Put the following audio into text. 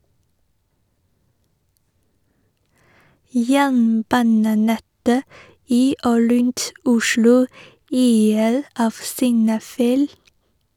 Jernbanenettet i og rundt Oslo yrer av signalfeil.